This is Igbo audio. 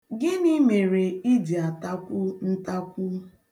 Gịnị mere i ji atakwu ntakwu?